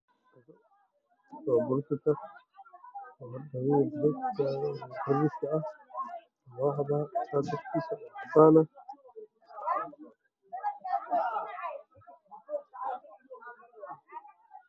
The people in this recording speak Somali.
Waa dhagaha midabkoodu yahay caddaan